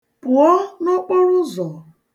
Pụọ n'okporụụzọ.